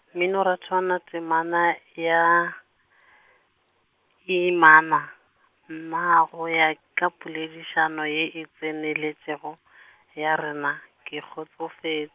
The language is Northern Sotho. Mminorathwana temana ya , inama, nna go ya, ka poledišano ye e tseneletšego , ya rena, ke kgotsofe-.